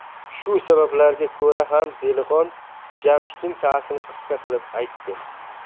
shu sabablarga ko'ra ham zelixon jamshidning tarixini qisqa qilib aytdi